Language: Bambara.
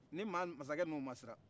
nin maa masakɛ ninnu ma siran